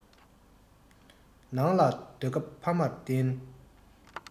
ནང ལ སྡོད སྐབས ཕ མར བརྟེན